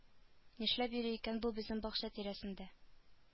Нишләп йөри икән бу безнең бакча тирәсендә